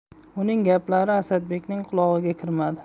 uning gaplari asadbekning qulog'iga kirmadi